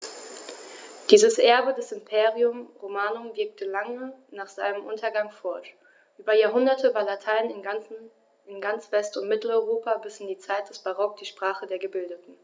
Dieses Erbe des Imperium Romanum wirkte lange nach seinem Untergang fort: Über Jahrhunderte war Latein in ganz West- und Mitteleuropa bis in die Zeit des Barock die Sprache der Gebildeten.